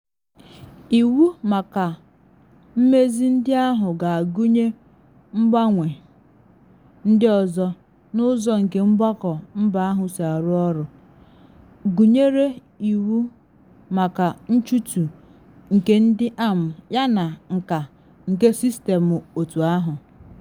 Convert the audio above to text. Iwu maka mmezi ndị ahụ ga-agụnye mgbanwe ndị ọzọ n’ụzọ nke mgbakọ mba ahụ si arụ ọrụ, gụnyere iwu maka nchutu nke ndị AM yana nka nke sistemụ otu ahụ.